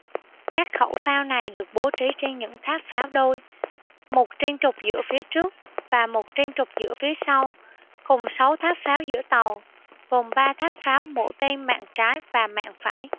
các khẩu phao này được bố trí trên những tháp pháo đôi một trên trục giữa phía trước và một trên trục giữa phía sau cùng sáu tháp pháo giữa tàu gồm ba tháp pháo mỗi bên mạn trái và mạn phải